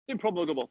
Dim problem o gwbwl.